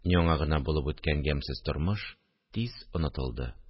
Яңа гына булып үткән ямьсез тормыш тиз онытылды